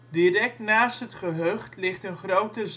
Direct naast het gehucht ligt een grote zandwinningsplas